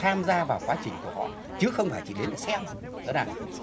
tham gia vào quá trình của họ chứ không phải chỉ đến để xem đó là